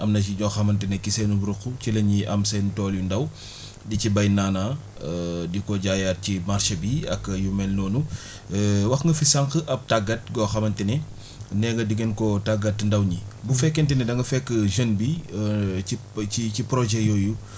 am na si joo xamante ni ci seengug ruqu ci la ñuy am seen tool yu ndaw di ci béy naanaa di ko jaayaat ci marché bi ak yu mel noonu wax nga fi sànq ab tàggat goo xamante ni nee nga di ngeen ko tàggat ndaw ñi bu fekkente ni da nga fekk jeune bi ci ci projet yooyu